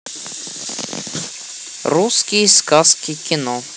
русские сказки кино